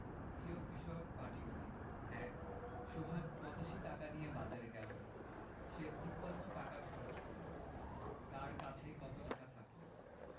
বিয়োগ বিষয়ক পাটিগনিতঃ ১ সোহাগ ৮৫ টাকা নিয়ে বাজারে গেল সে ৫৩ টাকা খরচ করল তার কাছে কত টাকা থাকল